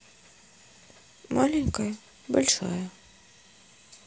маленькая большая